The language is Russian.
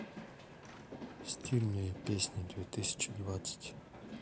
стильные песни две тысячи двадцать